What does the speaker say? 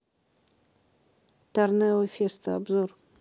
торнео феста обзор